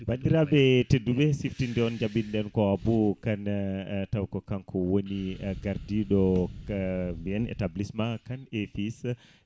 bandiraɓe tetduɓe siftinde on jaɓɓiɗen ko Abou Kane taw ko kanko woni gardiɗo établissement Kane et fils